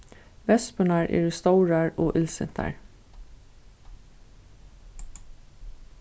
vespurnar eru stórar og illsintar